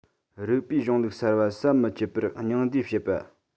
རིགས པའི གཞུང ལུགས གསར པ ཟམ མི ཆད པར སྙིང བསྡུས བྱེད པ